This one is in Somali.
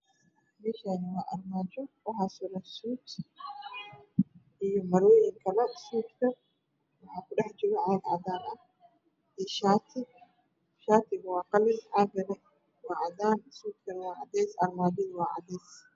Meshani waa armajo waxaa suran suud iyo maroyin kale suudka waxaa ku dhex jira caag cadan ah shatiguna waa qalin caguna waa cadan suudkuna waa cadees armajaduna waa cadees